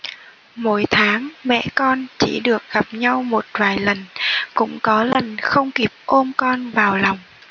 mỗi tháng mẹ con chỉ được gặp nhau một vài lần cũng có lần không kịp ôm con vào lòng